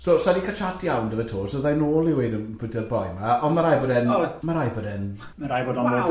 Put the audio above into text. So, sai di cael chat iawn da fe to, so dda i nôl i weud pwy ymbyty'r boi yma, ond ma' rhaid bod e'n ma' rhaid bod e'n ma' rhaid bod o'n loaded.